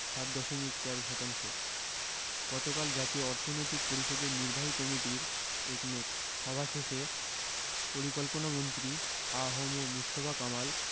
৭ দশমিক ১৩ শতাংশ গতকাল জাতীয় অর্থনৈতিক পরিষদের নির্বাহী কমিটির একনেক সভা শেষে পরিকল্পনামন্ত্রী আ হ ম মুস্তফা কামাল